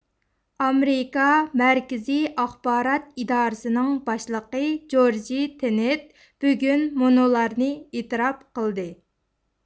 ئامېرىكا مەركىزىي ئاخبارات ئىدارىسىنىڭ باشلىقى جورجى تېنىت بۈگۈن مۇنۇلارنى ئېتىراپ قىلدى